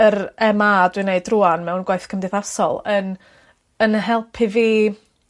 yr Em Aa dwi'n neud rŵan mewn gwaith cymdeithasol yn yn helpu fi